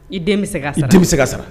I den bɛ se ka sara, i den bɛ se ka sara.